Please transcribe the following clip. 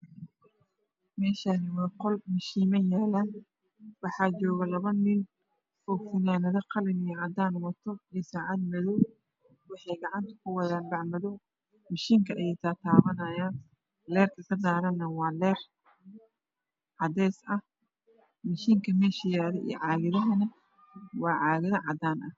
Meshan waa qo ay yaalaan waxaa joogo labo nin funaanadao qalin iyo cadan wato waxey gacanta kuwadaan keyrka kadaarane cadeysah mashinka wesha yaalane wey isku egyhiin